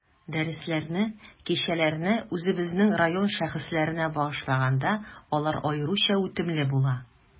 Дәресләрне, кичәләрне үзебезнең район шәхесләренә багышлаганда, алар аеруча үтемле була.